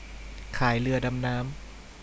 ขายเรือดำน้ำ